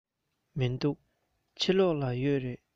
མི འདུག ཕྱི ལོགས ལ ཡོད རེད